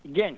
Dieng